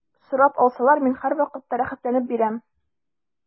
Сорап алсалар, мин һәрвакытта рәхәтләнеп бирәм.